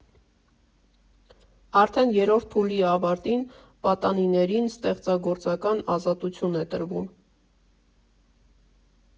Արդեն երրորդ փուլի ավարտին պատանիներին ստեղծագործական ազատություն է տրվում։